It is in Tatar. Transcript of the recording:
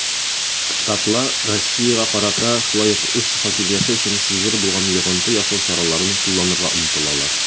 Штатлар Россиягә карата шулай ук үз хакимияте өчен сизгер булган йогынты ясау чараларын кулланырга омтылалар.